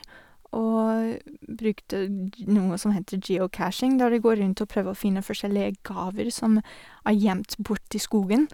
Og brukte dz noe som heter geocaching, der du går rundt og prøver å finne forskjellige gaver som er gjemt bort i skogen.